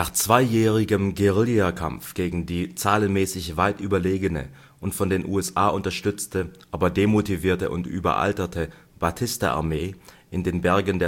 zweijährigem Guerillakampf gegen die zahlenmäßig weit überlegene und von den USA unterstützte, aber demotivierte und überalterte Batista-Armee in den Bergen